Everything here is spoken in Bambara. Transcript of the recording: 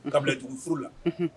Kabila dugu furu la